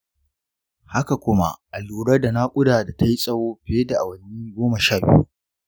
haka kuma a lura da nakuda da ta yi tsawo fiye da awanni goma sha biyu.